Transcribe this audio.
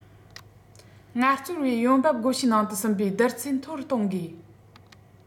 ངལ རྩོལ པའི ཡོང འབབ བགོ བཤའི ནང དུ ཟིན པའི བསྡུར ཚད མཐོ རུ གཏོང དགོས